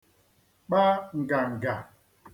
kpa ǹgàngà